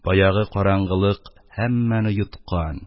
Баягы караңгылык һәммәне йоткан,